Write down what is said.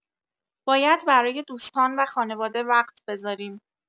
باید برای دوستان و خانواده وقت بذاریم.